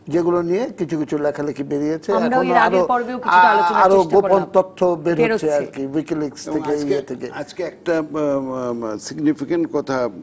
যেগুলো নিয়ে কিছু কিছু লেখালেখি বের হয়েছে এখন আরো আমরা এর আগের পর্ব কিছুটা আলোচনার চেষ্টা করেছি এখন আরো আরো গোপন তথ্য বের হচ্ছে আর কি উইক লিস্ট থেকে ইয়ে থেকে আজকে একটা সিগনিফিকেন্ট কথা